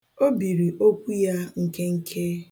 O biri okwu ya nkenke.